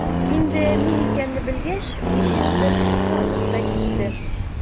Инде мин икәнне белгәч, ничектер куанып та китте.